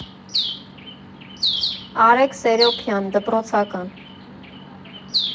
Արեգ Սերոբյան, դպրոցական։